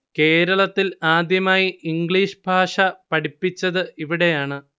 കേരളത്തിൽ ആദ്യമായി ഇംഗ്ലീഷ് ഭാഷ പഠിപ്പിച്ചത് ഇവിടെയാണ്